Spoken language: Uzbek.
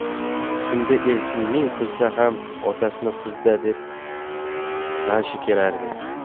shunda elchin ming qilsa ham otasining qizi da deb g'ashi kelardi